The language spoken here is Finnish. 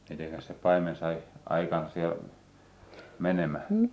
mitenkäs se paimen sai aikansa siellä menemään